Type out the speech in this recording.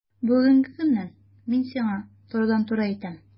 Бүгенге көннән мин сиңа турыдан-туры әйтәм: